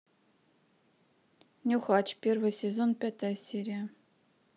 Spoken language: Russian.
нюхач первый сезон пятая серия